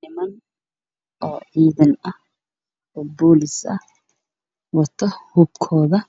Meeshaan waa meel ay iskugu imaadeen niman ciidan ah oo ay wataan dhar madow ah waxay dhex joogaan